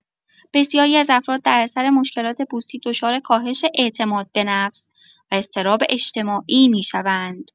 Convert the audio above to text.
بسیاری از افراد در اثر مشکلات پوستی دچار کاهش اعتمادبه‌نفس و اضطراب اجتماعی می‌شوند.